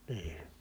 niin